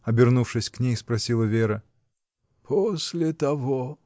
— обернувшись к ней, спросила Вера. — После того.